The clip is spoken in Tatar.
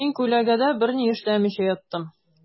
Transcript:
Мин күләгәдә берни эшләмичә яттым.